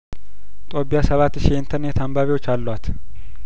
ጦቢያ ሰባት ሺ የኢንተርኔት አንባቢዎች አሏት